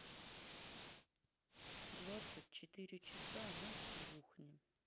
двадцать четыре часа на кухне